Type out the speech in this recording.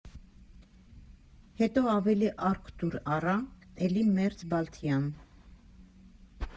Հետո ավելի «Արկտուր» առա, էլի մերձբալթյան։